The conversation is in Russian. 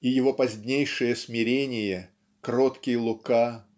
и его позднейшее смирение кроткий Лука